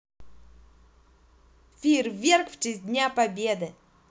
фейерверк в честь дня победы